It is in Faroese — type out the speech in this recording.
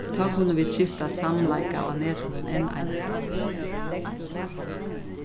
tá kunnu vit skifta samleika á netinum enn einaferð